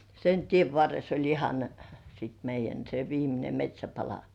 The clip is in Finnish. sen tien varressa oli ihan sitten meidän se viimeinen metsäpala